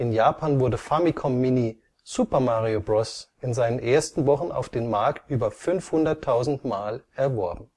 Japan wurde Famicom Mini: Super Mario Bros. in seinen ersten Wochen auf den Markt über 500.000 Mal erworben